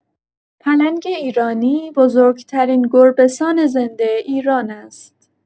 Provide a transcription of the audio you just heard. پلنگ ایرانی بزرگ‌ترین گربه‌سان زنده ایران است.